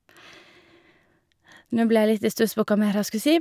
Nå ble jeg litt i stuss på hva mer jeg skulle si.